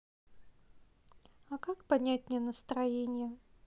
а как поднять мне настроение